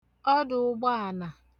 ọdụ̀ụgbọànà